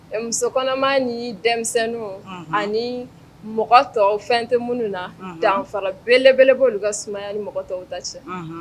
Musokɔnɔma ni denmisɛnnin . Unhun ani mɔgɔ tɔw fɛn tɛ minnu na danfa belebelebolo olu ka sumaya ni mɔgɔ tɔw ta ca Unhun